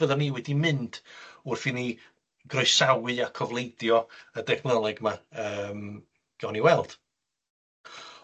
fyddan ni wedi mynd wrth i ni groesawu a cofleidio y dechnoleg 'ma yym gawn ni weld.